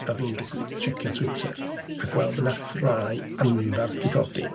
A fi'n digwydd tsiecio Twitter a gweld bod yna ffrae anferth 'di codi.